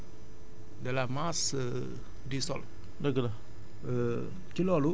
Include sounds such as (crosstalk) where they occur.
mais ça ne représente que deux à trois pour cent de la masse (hesitation) du sol